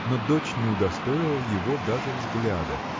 но дочь не удостоила его даже взгляда.